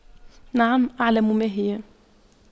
نعم أعلم ماهي